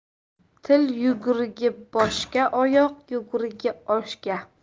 til yugurigi boshga oyoq yugurigi oshga